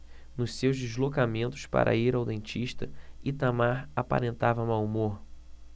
nos seus deslocamentos para ir ao dentista itamar aparentava mau humor